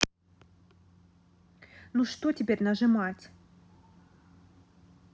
ну что теперь нажимать